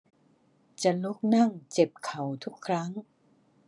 จะลุกนั่งเจ็บเข่าทุกครั้ง